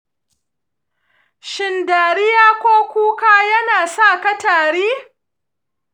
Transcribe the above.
shin dariya ko kuka yana sa ka tari?